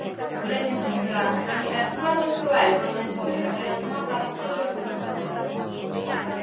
원래는 정유라 그러니까 승마 선수로 알고 있는 정유라를 성악가로 키우려고 했어요